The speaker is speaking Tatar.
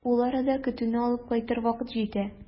Ул арада көтүне алып кайтыр вакыт җитә.